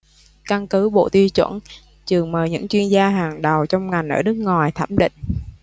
căn cứ bộ tiêu chuẩn trường mời những chuyên gia hàng đầu trong ngành ở nước ngoài thẩm định